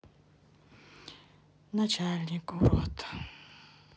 начальник урод